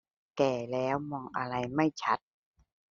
แก่แล้วมองอะไรไม่ชัด